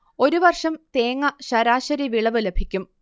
ഒരു വർഷം തേങ്ങ ശരാശരി വിളവ് ലഭിക്കും